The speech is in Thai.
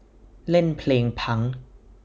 เล่นเพลงพังค์